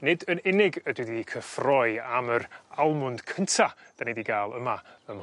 Nid yn unig ydw i 'di cyffroi am yr almwnd cynta 'dan ni 'di ga'l yma ym...